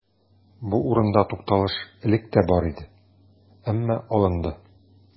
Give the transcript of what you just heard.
Бу урында тукталыш элек тә бар иде, әмма алынды.